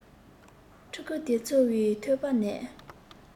ཕྲུ གུ དེ ཚོའི ཐོད པ ནས